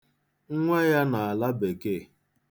Nnwa ya nọ ala bekee.